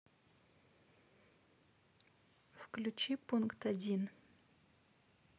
включи пункт один